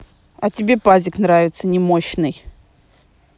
а тебе пазик нравится немощный